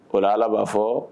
Ko ala b'a fɔ